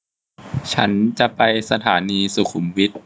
ฉันจะไปสถานีสุขุมวิท